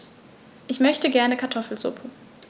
Ich möchte gerne Kartoffelsuppe.